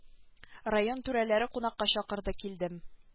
Район түрәләре кунакка чакырды килдем